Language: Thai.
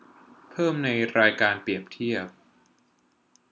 เพิ่มในรายการเปรียบเทียบ